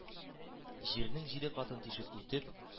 Җирнең җиде катын тишеп үтеп